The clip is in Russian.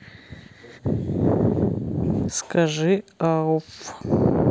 скажи ауф